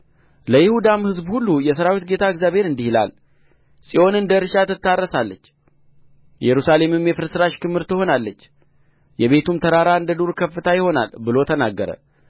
ለይሁዳም ሕዝብ ሁሉ የሠራዊት ጌታ እግዚአብሔር እንዲህ ይላል ጽዮን እንደ እርሻ ትታረሳለች ኢየሩሳሌም የፍርስራሽ ክምር ትሆናለች የቤቱም ተራራ እንደ ዱር ከፍታ ይሆናል ብሎ ተናገረ